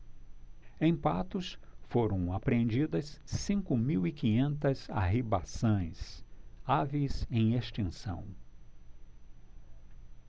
em patos foram apreendidas cinco mil e quinhentas arribaçãs aves em extinção